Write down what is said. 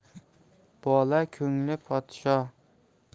bola ko'ngli podsho